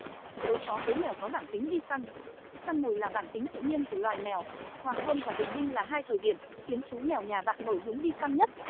đối phó với mèo có bản tính đi săn săn mồi là bản tính tự nhiên của loài mèo hoàng hôn và bình minh là thời điểm khiến chú mèo nhà bạn nổi hứng đi săn nhất